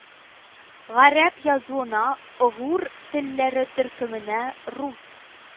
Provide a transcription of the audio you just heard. Гарәп язуына, огур телләре төркеменә рус